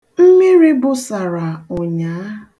Mmiri bụsara ụnyaa.